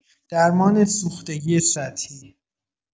درمان سوختگی سطحی!